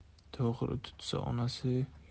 to'g'ri tutsa onasi